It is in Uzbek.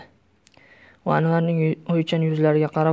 u anvarning o'ychan yuzlariga qarab